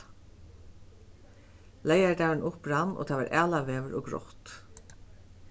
leygardagurin upprann og tað var ælaveður og grátt